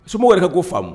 Somaw yɛrɛ ka ko faamu